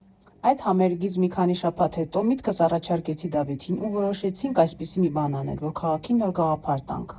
Այդ համերգից մի քանի շաբաթ հետո միտքս առաջարկեցի Դավիթին ու որոշեցինք այպիսի մի բան անել, որ քաղաքին նոր գաղափար տանք։